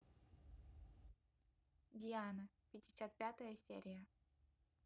диана пятьдесят пятая серия